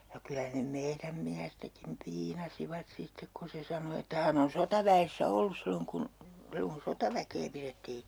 ja kyllä ne meidän miestäkin piinasivat sitten kun se sanoi että hän on sotaväessä ollut silloin kun silloin kun sotaväkeä pidettiin